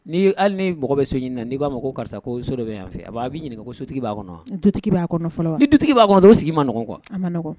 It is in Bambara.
Ni hali ni mɔgɔ bɛ so ɲini na'i b'a ko karisa ko so dɔ bɛ fɛ a a b bɛi ɲini ko sotigi b'a kɔnɔtigi b'a fɔlɔ dutigi b'a kɔnɔ sigi ma nɔgɔɔgɔn kɔ